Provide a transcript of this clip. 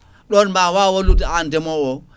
ɗon ma waw wallude an ndeemowo o